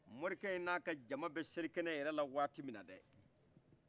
morikɛ in n'a ka jaman bɛ seli kɛnɛ na waati minna dɛɛ